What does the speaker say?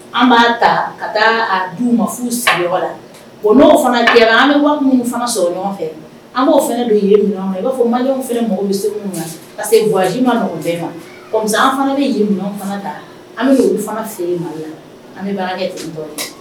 An b'a ta ka taa d ma sigi la n' an bɛ fana sɔrɔ fɛ an b' fana don i b'a ma se se wa ma bɛɛ ma an fana bɛ an bɛ fana feere an bɛ baara kɛ